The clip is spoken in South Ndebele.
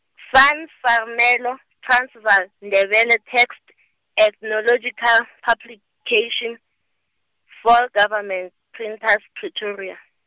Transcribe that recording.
Van Warmelo Transvaal Ndebele text Ethnological Publication, vol- Government Printers Pretoria.